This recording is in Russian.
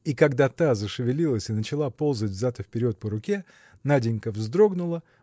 и когда та зашевелилась и начала ползать взад и вперед по руке Наденька вздрогнула